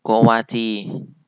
โกวาจี